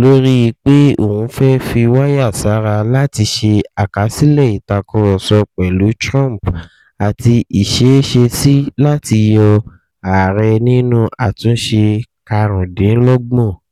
lórí i pé oùn fẹ́ fí wáyà sára láti ṣe àkásílẹ̀ ìtàkurọ̀sọ pẹ̀lú Trump àti ìṣeéṣesí láti yọ ààrẹ nínú àtúnṣe 25.